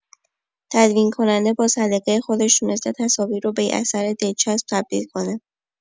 تدوین‌کننده با سلیقه خودش تونسته تصاویر رو به یه اثر دلچسب تبدیل کنه.